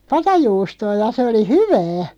patajuustoa ja se oli hyvää